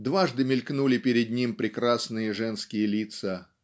Дважды мелькнули перед ним прекрасные женские лица